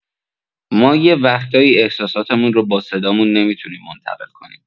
ما یه وقتایی احساساتمون رو با صدامون نمی‌تونیم منتقل کنیم.